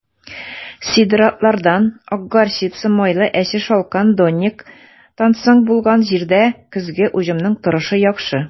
Сидератлардан (ак горчица, майлы әче шалкан, донник) соң булган җирдә көзге уҗымның торышы яхшы.